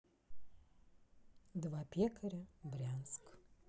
два пекаря брянск